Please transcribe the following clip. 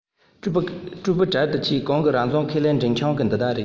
བཀྲུས པའི གྲལ དུ ཆེས གོང གི རང བྱུང ཁེ ལས འབྲིང ཆུང ནི འདི དག རེད